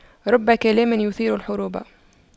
رب كلام يثير الحروب